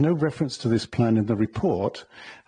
no reference to this plan in the report.